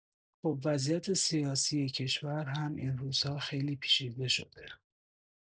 خب، وضعیت سیاسی کشور هم این روزا خیلی پیچیده شده!